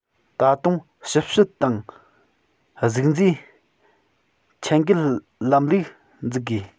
ད དུང ཞིབ དཔྱད དང གཟིགས བཟོས ཆད འགེལ ལམ ལུགས འཛུགས དགོས